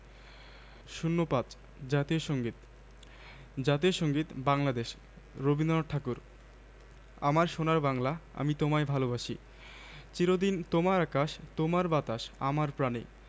অনেকদিন হল আপনাদের পাঠানো উপহার পেয়েছি কিন্তু আপনাদের চিঠি লিখতে বহু দেরী করে ফেললাম এতদিন পরে ধন্যবাদ জানাচ্ছি বলে আশা করি কিছু মনে করবেন না আপনার বাংলা চর্চা কেমন চলছে বাংলাদেশে আবার কবে আসবেন